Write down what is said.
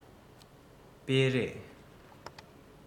སྤེལ རེས